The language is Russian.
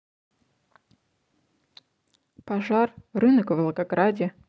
пожар рынок в волгограде